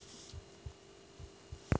коломбо первая серия